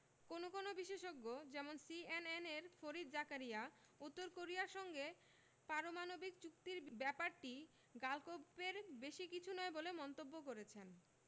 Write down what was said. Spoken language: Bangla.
কোনো কোনো বিশেষজ্ঞ যেমন সিএনএনের ফরিদ জাকারিয়া উত্তর কোরিয়ার সঙ্গে পারমাণবিক চুক্তির ব্যাপারটি গালগপ্পের বেশি কিছু নয় বলে মন্তব্য করেছেন